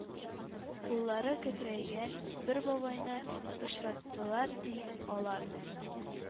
Куллары кәкрәйгән бер бабайны очраттылар, ди, алар.